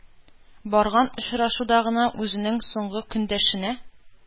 Барган очрашуда гына үзенең соңгы көндәшенә –